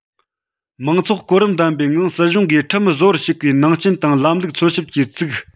མང ཚོགས གོ རིམ ལྡན པའི ངང སྲིད གཞུང གིས ཁྲིམས བཟོ བར ཞུགས པའི ནང རྐྱེན དང ལམ ལུགས འཚོལ ཞིབ ཀྱིས བཙུགས